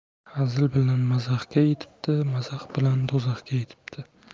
hazil bilan mazaxga yetibdi mazax bilan do'zaxga yetibdi